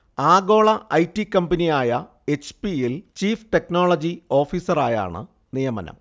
ആഗോള I. T. കമ്പനിയായ H. P. യിൽ ചീഫ് ടെക്നോളജി ഓഫീസറായാണ് നിയമനം